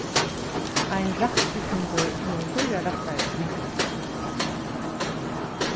ein rætthyrningur hevur fýra rættar vinklar